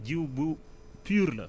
jiw bu pure la